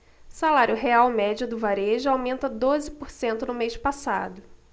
salário real médio do varejo aumenta doze por cento no mês passado